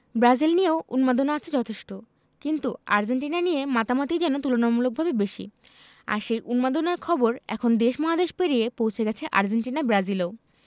Brazil নিয়েও উন্মাদনা আছে যথেষ্ট কিন্তু আর্জেন্টিনা নিয়ে মাতামাতিই যেন তুলনামূলকভাবে বেশি আর সেই উন্মাদনার খবর এখন দেশ মহাদেশ পেরিয়ে পৌঁছে গেছে আর্জেন্টিনা ব্রাজিলেও